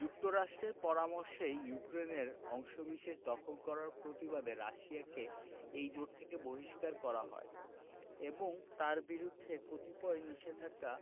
যুক্তরাষ্ট্রের পরামর্শেই ইউক্রেনের অংশবিশেষ দখল করার প্রতিবাদে রাশিয়াকে এই জোট থেকে বহিষ্কার করা হয় এবং তার বিরুদ্ধে কতিপয় নিষেধাজ্ঞা